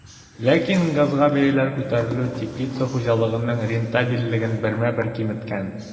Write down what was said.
Ләкин газга бәяләр күтәрелү теплица хуҗалыгының рентабельлеген бермә-бер киметкән.